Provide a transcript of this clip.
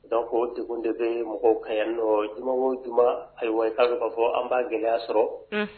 Donc o degun de bɛ mɔgɔw ka yan nɔ , juman wo juma ayiwa i ka dɔn ka fɔ an bo gɛlɛya sɔrɔ.